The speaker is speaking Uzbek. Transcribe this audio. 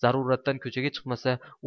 zaruratdan ko'chaga chiqmasa